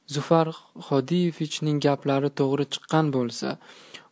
zufar xodiyevichning gaplari to'g'ri chiqqan bolsa